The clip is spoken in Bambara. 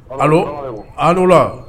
Ayiwa alilɔ